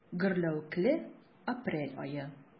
Гөрләвекле апрель ае.